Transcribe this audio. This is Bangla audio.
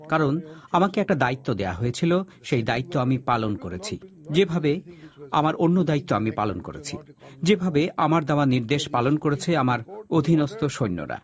কারণ আমাকে একটা দায়িত্ব দেয়া হয়েছিল সে দায়িত্ব আমি পালন করেছি যেভাবে আমার অন্য দায়িত্ব আমি পালন করেছি যেভাবে আমার দেয়া নির্দেশ পালন করেছে আমার অধীনস্ত সৈন্যরা